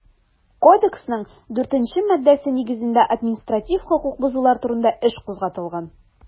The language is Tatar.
Кодексның 4 нче маддәсе нигезендә административ хокук бозулар турында эш кузгатылган.